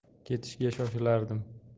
ketishga shoshilardim